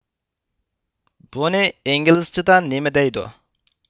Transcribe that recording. بۇنى ئىنگلىزچىدا نېمە دەيدۇ